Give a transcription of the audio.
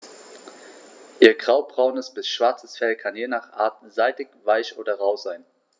Ihr graubraunes bis schwarzes Fell kann je nach Art seidig-weich oder rau sein.